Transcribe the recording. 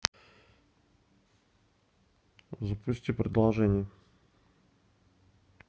запусти приложение